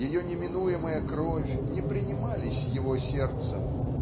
ее неминуемая кровь не принимались его сердцем